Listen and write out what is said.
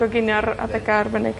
...goginio ar adega arbenniig.